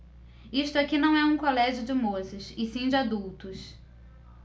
isto aqui não é um colégio de moças e sim de adultos